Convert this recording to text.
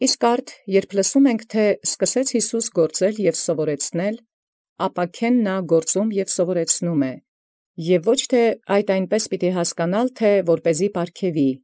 Իսկ արդ յորժամ լսիցեմք, եթէ՝ «սկսաւ Յիսուս առնել և ուսուցանելե, ապաքէն առնէ և ուսուցանէ, և ոչ եթէ զի պարգևեսցէ իմանալի է։